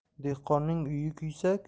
dehqonning uyi kuysa